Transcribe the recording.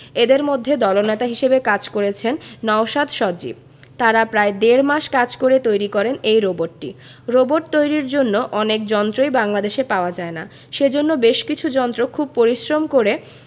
এদের মধ্যে দলনেতা হিসেবে কাজ করেছেন নওশাদ সজীব তারা প্রায় দেড় মাস কাজ করে তৈরি করেন এই রোবটটি রোবট তৈরির জন্য অনেক যন্ত্রই বাংলাদেশে পাওয়া যায় না সেজন্য বেশ কিছু যন্ত্র খুব পরিশ্রম করে